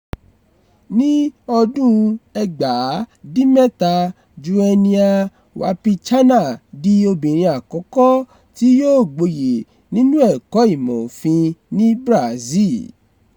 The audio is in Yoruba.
Ní ọdún-un 1997, Joenia Wapichana di obìnrin àkọ́kọ́ tí yóò gboyè nínú ẹ̀kọ́ ìmọ̀ òfin ní Brazil.